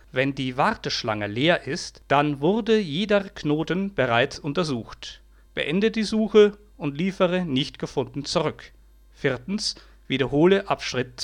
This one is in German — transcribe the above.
Wenn die Warteschlange leer ist, dann wurde jeder Knoten bereits untersucht. Beende die Suche und liefere " nicht gefunden " zurück. Wiederhole ab Schritt